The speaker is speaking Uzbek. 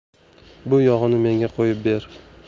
bu yog'ini menga qo'yib ber